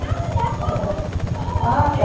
ơi ông ơi